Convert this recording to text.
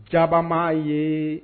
Jama ye